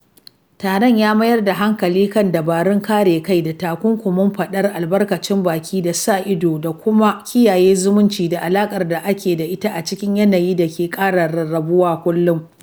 Taron ya mayar da hankali kan dabarun kare kai daga takunkumin faɗar albarkacin baki da sa-ido, da kuma kiyaye zumunci da alaƙar da ake da ita a cikin yanayi da ke kara rarrabuwa kullum.